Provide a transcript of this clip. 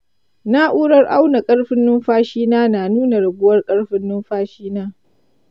na'u'rar auna ƙarfin numfashina na nuna raguwar ƙarfin numfashina.